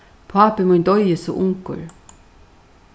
pápi mín doyði so ungur